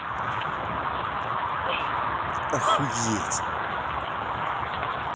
охуеть